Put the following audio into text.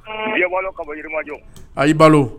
I a balo